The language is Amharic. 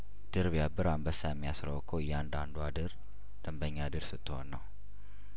ድር ቢያብር አንበሳ የሚያስ ረው እኮ እያንዳንዷ ድር ደምበኛ ድር ስት ሆን ነው